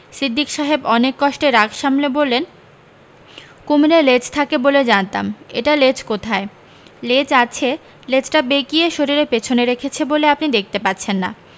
সিদ্দিক সাহেব অনেক কষ্টে রাগ সামলে বললেন কুমীরের লেজ থাকে বলে জানতাম এটার লেজ কোথায় লেজ আছে লেজটা বেঁকিয়ে শরীরের পেছনে রেখেছে বলে আপনি দেখতে পাচ্ছেন না